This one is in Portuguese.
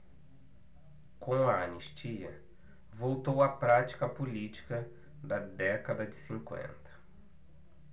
com a anistia voltou a prática política da década de cinquenta